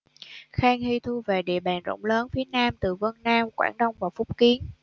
khang hy thu về địa bàn rộng lớn phía nam từ vân nam quảng đông và phúc kiến